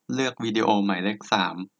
เลือกวิดีโอหมายเลขสาม